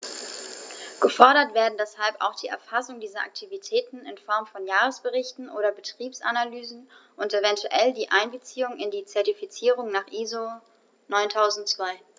Gefordert werden deshalb auch die Erfassung dieser Aktivitäten in Form von Jahresberichten oder Betriebsanalysen und eventuell die Einbeziehung in die Zertifizierung nach ISO 9002.